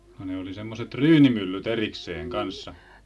no ne oli semmoiset ryynimyllyt erikseen kanssa